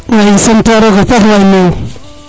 i sant a roga paax waay